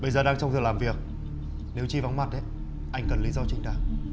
bây giờ đang trong giờ làm việc nếu chi vắng mặt ấy anh cần lí do chính đáng